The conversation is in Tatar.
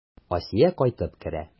Асия кайтып керә.